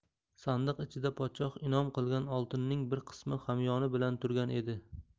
sandiq ichida podshoh inom qilgan oltinning bir qismi hamyoni bilan turgan edi